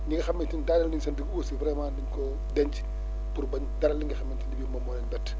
ñi nga xamante ni daaneel nañ seen dugub aussi vraiment nañ ko denc pour bañ dara li nga xamante ne bii moom moo leen bett